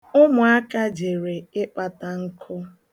Ụmụaka jere ịkpata nkụ.̣